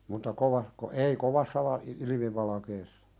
mutta - ei kovassa - ilmivalkeassa